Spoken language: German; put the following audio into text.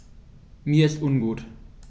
Mir ist ungut.